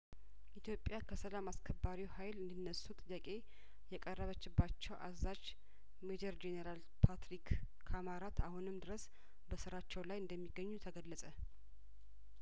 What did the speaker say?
ኢትዮጵያ ከሰላም አስከባሪው ሀይል እንዲነሱ ጥያቄ ያቀረበችባቸው አዛዥ ሜጀር ጄኔራል ፓትሪክ ካማራት አሁንም ድረስ በስራቸው ላይ እንደሚገኙ ተገለጸ